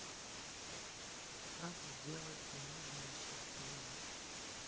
как сделать бумажные сюрпризы